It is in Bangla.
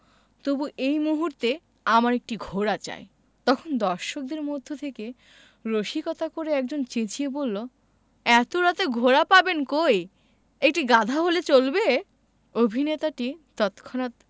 তবু এই মুহূর্তে আমার একটি ঘোড়া চাই – তখন দর্শকদের মধ্য থেকে রসিকতা করে একজন চেঁচিয়ে বললো এত রাতে ঘোড়া পাবেন কই একটি গাধা হলে চলবে অভিনেতাটি তৎক্ষনাত